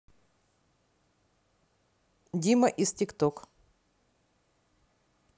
дима из тик ток